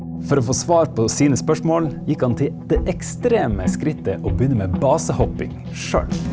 for å få svar på sine spørsmål gikk han til det ekstreme skrittet å begynne med basehopping sjøl.